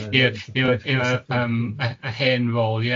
...i'r i'r yym y hen rôl ie.